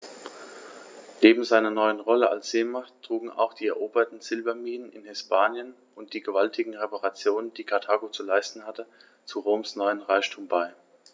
Neben seiner neuen Rolle als Seemacht trugen auch die eroberten Silberminen in Hispanien und die gewaltigen Reparationen, die Karthago zu leisten hatte, zu Roms neuem Reichtum bei.